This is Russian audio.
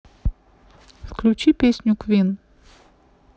включи песню квин